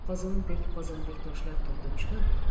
qozondek qozondek toshlar turtib chiqib